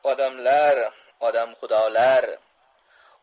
odamlar odamxudolar